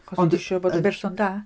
Achos isio bod yn berson da.